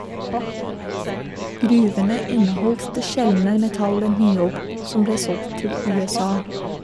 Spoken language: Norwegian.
Gruvene inneholdt det sjeldne metallet niob, som ble solgt til USA.